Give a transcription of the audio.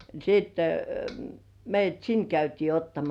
niin sitten meidät sinne käytiin ottamassa